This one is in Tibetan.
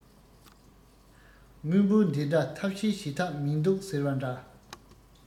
དངུལ འབོར འདི འདྲ ཐབས ཤེས བྱེད ཐབས མིན འདུག ཟེར བ འདྲ